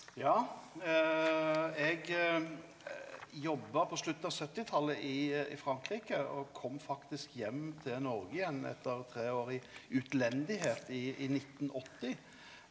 ja eg jobba på slutten av syttitalet i i Frankrike og kom faktisk heim til Noreg igjen etter tre år i utlendigheit i i nittenåtti.